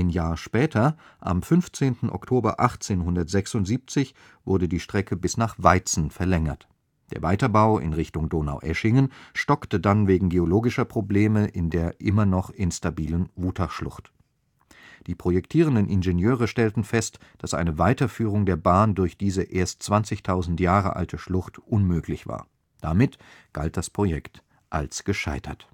Jahr später, am 15. Oktober 1876, wurde die Strecke bis nach Weizen verlängert. Der Weiterbau in Richtung Donaueschingen stockte dann wegen geologischer Probleme in der immer noch instabilen Wutachschlucht. Die projektierenden Ingenieure stellten fest, dass eine Weiterführung der Bahn durch diese erst 20.000 Jahre alte Schlucht unmöglich war. Damit galt das Projekt als gescheitert